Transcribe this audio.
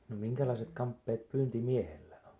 no minkälaiset kamppeet pyyntimiehellä on